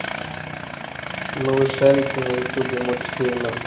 малышарики на ютубе мультфильмы